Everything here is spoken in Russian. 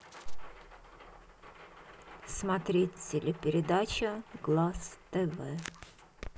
смотреть телепередача глаз тв